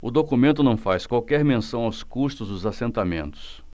o documento não faz qualquer menção aos custos dos assentamentos